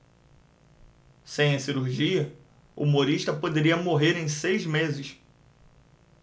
sem a cirurgia humorista poderia morrer em seis meses